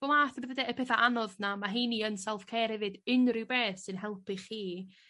y petha anodd 'na ma' 'heiny yn self care efyd unryw beth sy'n helpu chi